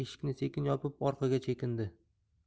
eshikni sekin yopib orqaga chekindi